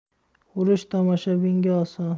urush tomoshabinga oson